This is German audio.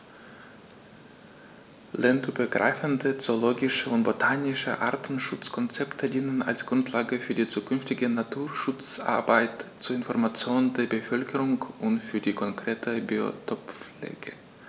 Länderübergreifende zoologische und botanische Artenschutzkonzepte dienen als Grundlage für die zukünftige Naturschutzarbeit, zur Information der Bevölkerung und für die konkrete Biotoppflege.